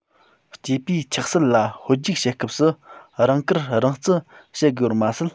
སྐྱེས པས ཆགས སྲེད ལ ཧོལ རྒྱུག བྱེད སྐབས སུ རང བཀུར རང བརྩི བྱེད དགོས པར མ ཟད